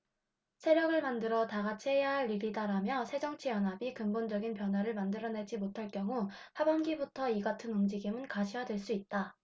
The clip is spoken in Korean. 세력을 만들어 다같이 해야할 일이다라며 새정치연합이 근본적이 변화를 만들어내지 못할 경우 하반기부터 이같은 움직임은 가시화될 수 있다